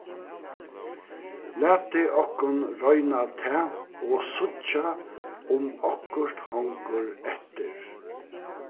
latið okkum royna tað og síggja um okkurt hongur eftir